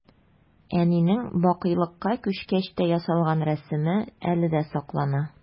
Әнинең бакыйлыкка күчкәч тә ясалган рәсеме әле дә саклана.